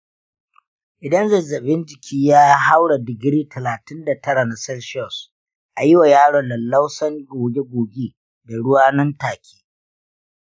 idan zazzabin jiki ya haura digiri talatin da tara na celsus, a yi wa yaron lallausan goge-goge da ruwa nan take.